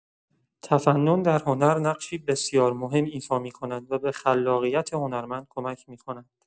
تفنن در هنر نقشی بسیار مهم ایفا می‌کند و به خلاقیت هنرمند کمک می‌کند.